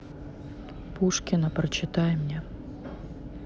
пушкина прочитай мне